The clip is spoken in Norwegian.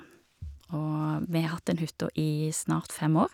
Og vi har hatt den hytta i snart fem år.